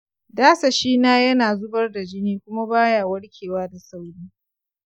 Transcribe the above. dasashina ya na zubar da jini kuma baya warkewa da sauri.